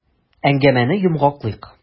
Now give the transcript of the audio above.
Әңгәмәне йомгаклыйк.